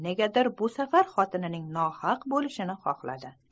negadir bu safar xotinining nohaq bo'lishini xohladi